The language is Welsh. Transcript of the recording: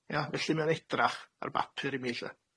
Ia? Felly mae o'n edrach ar bapur i mi lly.